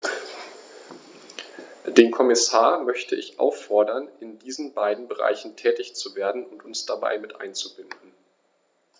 Den Kommissar möchte ich auffordern, in diesen beiden Bereichen tätig zu werden und uns dabei mit einzubinden.